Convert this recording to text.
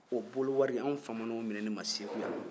o bolo wari an faman'o minɛli ma segu yan